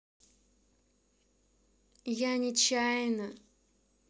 я нечаянно